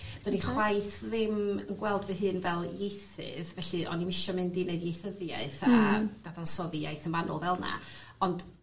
Do'n... Oce. ...i chwaith ddim yn gweld fy hun fel ieithydd felly o'n i'm isio mynd i neud ieithyddiaeth a dadansoddi iaith yn fanwl fel 'na ond